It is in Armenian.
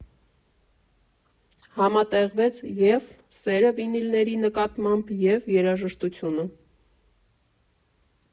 Համատեղվեց և՛ սերը վինիլների նկատմամբ, և՛ երաժշտությունը»։